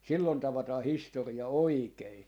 silloin tavataan historia oikein